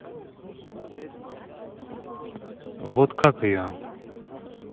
вот как ее